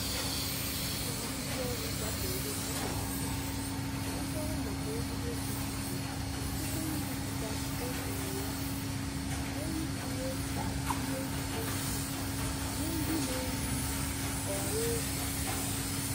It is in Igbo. A tụrụ ndịọrụ mgbasaozi na ụmụafọ na mkpọrọ maka ebubo dị icheiche site na mbipụta "ozi ụgha" ruo ikpughe ihenzuzo steeti nye ndị na-eyi ọha egwu.